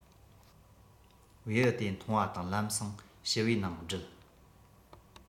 བེའུ དེ མཐོང བ དང ལམ སེང ཕྱུ པའི ནང སྒྲིལ